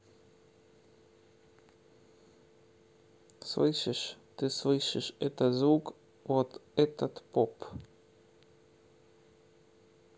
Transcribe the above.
слышишь ты слышишь этот звук вот этот поп